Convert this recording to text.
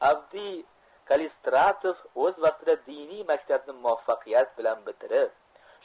avdiy kallistratov o'z vaqtida diniy maktabni muvaffaqiyat bilan bitirib